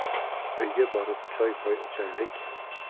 uyga borib choy poy ichaylik